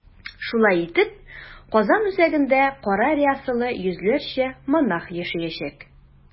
Шулай итеп, Казан үзәгендә кара рясалы йөзләрчә монах яшәячәк.